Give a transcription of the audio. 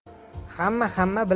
hamma hamma bilan